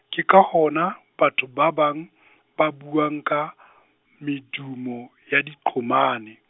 ke ka hona, batho ba bang, ba buang ka, medumo, ya diqhomane.